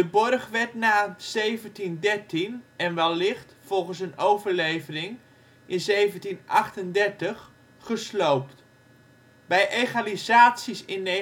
borg werd na 1713 en wellicht (volgens een overlevering) in 1738 gesloopt. Bij egalisaties in 1921